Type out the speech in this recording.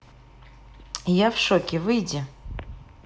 я в шоке выйди